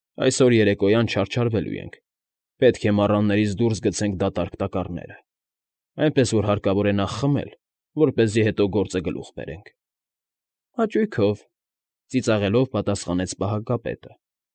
Այսօր երեկոյան չարչարվելու ենք, պետք է մառաններից դուրս գցենք դատարկ տակառները, այնպես որ հարկավոր է նախ խմել, որպեսզի հետո գործը գլուխ բերենք։ ֊ Հաճույքով,֊ ծիծաղելով պատասխանեց պահակապետը։֊